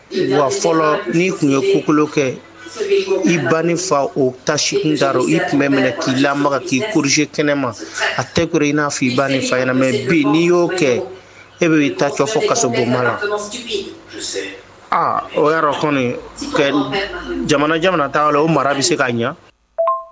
Wa fɔlɔ n' tun ye kukolo kɛ i ba ban ni fa o tasikun i tun bɛ minɛ k'i la k'i kuruze kɛnɛma a tɛkoro i n'a fɔ i ban ni faymɛ bi n'i y'o kɛ e bɛ' i ta fɔ ka bon na aa o jamana jamana t'a la o mara bɛ se ka ɲɛ